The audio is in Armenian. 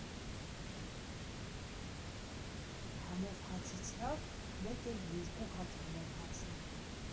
Համով հացից լավ մեկ էլ երկու հատ համով հացն է։